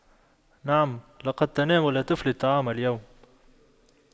نعم لقد تناول طفلي الطعام اليوم